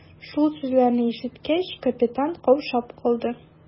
Шул сүзләрне ишеткәч, капитан каушап калды.